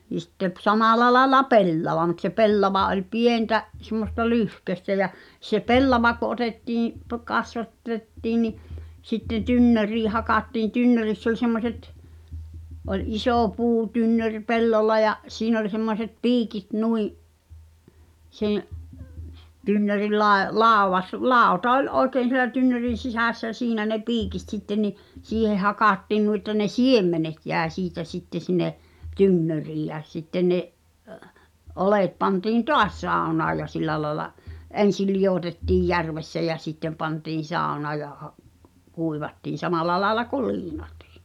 niin sitten - samalla lailla pellava mutta se pellava oli pientä semmoista lyhkäistä ja se pellava kun otettiin -- kasvatettiin niin sitten tynnyriin hakattiin tynnyrissä oli semmoiset oli iso puutynnyri pellolla ja siinä oli semmoiset piikit noin se tynnyrin -- lauta oli oikein siellä tynnyrin sisässä ja siinä ne piikit sitten niin siihen hakattiin noin että ne siemenet jäi siitä sitten sinne tynnyriin ja sitten ne oljet pantiin taas saunaan ja sillä lailla ensin liotettiin järvessä ja sitten pantiin saunaan ja - kuivattiin samalla lailla kuin liinatkin